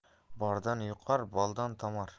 bordan yuqar boldan tomar